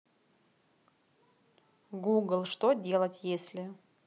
google что делать если